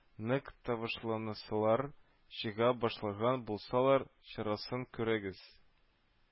Нык тавышлансалар, чыга башлаган булсалар, чарасын күрегез